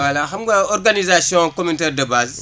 voilà xam nga organisation communautaire de base